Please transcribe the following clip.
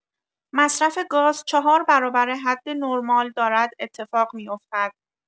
مصرف گاز ۴ برابر حد نرمال دارد اتفاق می‌افتد.